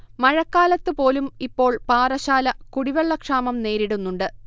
മഴക്കാലത്ത് പോലും ഇപ്പോൾ പാറശ്ശാല കുടിവെള്ളക്ഷാമം നേരിടുന്നുണ്ട്